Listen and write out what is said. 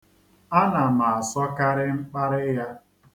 Ana m asọkarị mkparị ya.